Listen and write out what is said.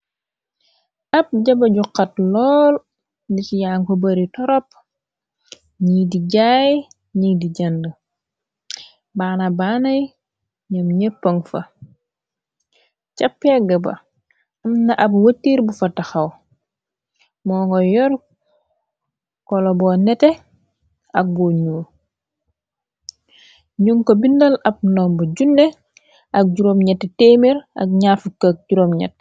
ab jabaju xat lool dici yàngu bari torop niy di jaay niy di jënd baana baanay ñëom ñeppaŋ fa ca pegg ba amna ab wëtiir bu fa taxaw moo ngo yor kola boo nete ak bu ñuul ñun ko bindal ab ndomb 10 ak7027.